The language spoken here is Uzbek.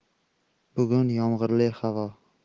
bugun yomg'irli havo